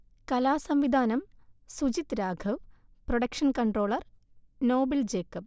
കലാസംവിധാനം Sujith Raghav, production controller Noble Jacob